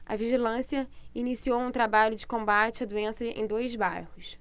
a vigilância iniciou um trabalho de combate à doença em dois bairros